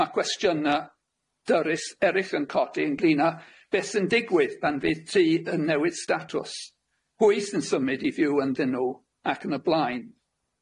Ma' cwestiyna dyrys eryll yn codi yn glina beth yn digwydd pan fydd ty yn newid statws, pwy sy'n symud i fyw ynddyn nhw ac yn y blaen.